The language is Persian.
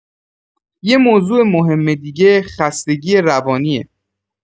یه موضوع مهم دیگه، خستگی روانیه.